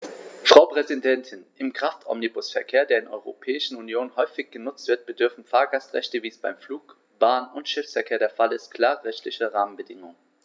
Frau Präsidentin, im Kraftomnibusverkehr, der in der Europäischen Union häufig genutzt wird, bedürfen Fahrgastrechte, wie es beim Flug-, Bahn- und Schiffsverkehr der Fall ist, klarer rechtlicher Rahmenbedingungen.